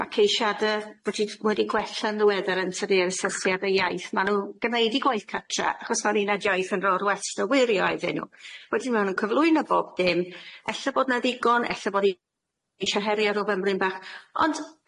ma' ceisiade wedi wedi gwella yn ddiweddar yn tydi'r asesiad y iaith ma' n'w gneud i gwaith cartra achos ma'n uned iaith yn ro'r westr wirio iddyn n'w wedyn ma' nw'n cyflwyno bob dim ella bod na ddigon ella bod i- isie heri ar y fymryn bach ond